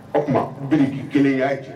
O tuma bi kelen y'a kɛ